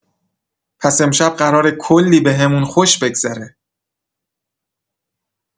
پس امشب قراره کلی بهمون خوش بگذره!